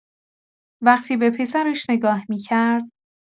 وقتی به پسرش نگاه می‌کرد.